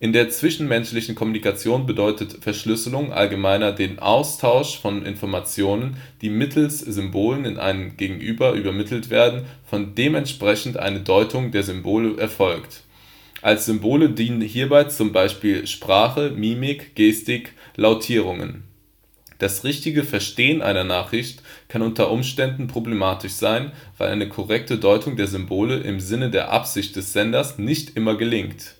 der zwischenmenschlichen Kommunikation bedeutet Verschlüsselung allgemeiner den Austausch von Informationen, die mittels Symbolen an einen Gegenüber übermittelt werden, von dementsprechend eine Deutung der Symbole erfolgt. Als Symbole dienen hierbei zum Beispiel Sprache, Mimik, Gestik, Lautierungen. Das richtige Verstehen einer Nachricht kann unter Umständen problematisch sein, weil eine korrekte Deutung der Symbole im Sinne der Absicht des Senders nicht immer gelingt